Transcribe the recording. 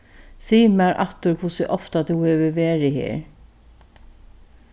sig mær aftur hvussu ofta tú hevur verið her